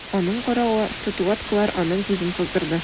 Аның каравы статуэткалар аның күзен кыздырды.